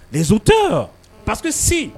Nin tɛ pa se